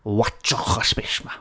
Watsiwch y space 'ma.